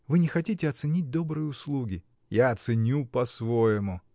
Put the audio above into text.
Вы не хотите оценить доброй услуги. — Я ценю по-своему.